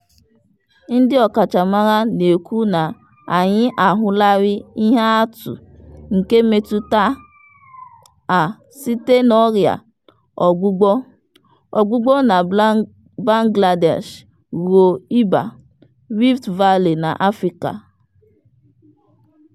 Ndị ọkachamara na-ekwu na anyị ahụlarị ihe atụ nke mmetụta a, site na ọrịa ọgbụgbọ ọgbụgbọ na Bangladesh ruo ịba Rift Valley na Afrịka.